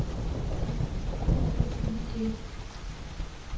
музыка для детей